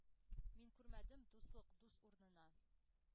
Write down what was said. Мин күрмәдем дуслык... дус урнына